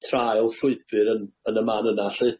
Traul llwybyr yn yn y man yna lly.